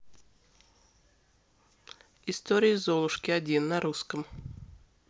история золушки один на русском